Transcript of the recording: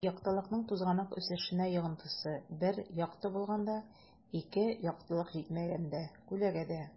Яктылыкның тузганак үсешенә йогынтысы: 1 - якты булганда; 2 - яктылык җитмәгәндә (күләгәдә)